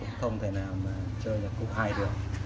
cũng không thể chơi nhạc cụ hay được không thể chơi nhạc cụ hay được